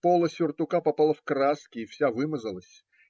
пола сюртука попала в краски и вся вымазалась